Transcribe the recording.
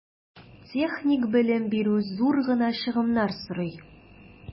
Техник белем бирү зур гына чыгымнар сорый.